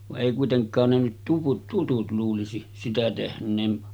vaan ei kuitenkaan ne nyt tuvut tutut luulisi sitä tehneen